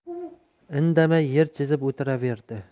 indamay yer chizib o'tiraverdi